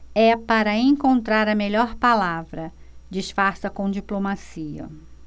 é para encontrar a melhor palavra disfarça com diplomacia